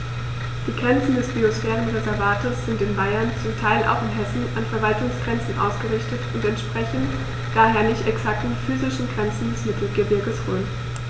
Die Grenzen des Biosphärenreservates sind in Bayern, zum Teil auch in Hessen, an Verwaltungsgrenzen ausgerichtet und entsprechen daher nicht exakten physischen Grenzen des Mittelgebirges Rhön.